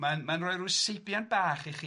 ....ma'n ma'n rhoi ryw seibiant bach i chi